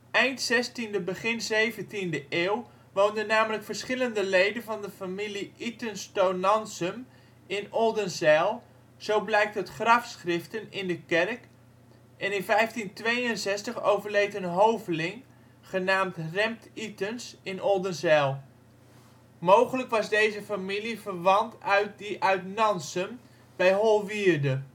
Eind 16e, begin 17e eeuw woonden namelijk verschillende leden van de familie ' Itens to Nansum ' in Oldenzijl, zo blijkt uit grafschriften in de kerk en in 1562 overleed een hoveling genaamd Rembt Itens in Oldenzijl. Mogelijk was deze familie verwant uit die uit Nansum bij Holwierde